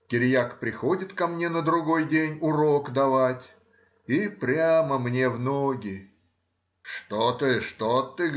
Кириак приходит ко мне на другой день урок давать и прямо мне в ноги: — Что ты? что ты?